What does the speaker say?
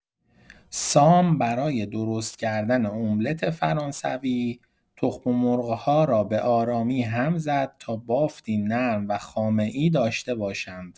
سام برای درست‌کردن املت فرانسوی، تخم‌مرغ‌ها را به‌آرامی هم زد تا بافتی نرم و خامه‌ای داشته باشند.